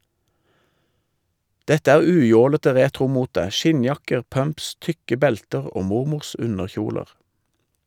Dette er ujålete retromote, skinnjakker, pumps, tykke belter og mormors underkjoler.